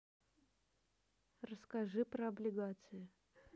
расскажи про облигации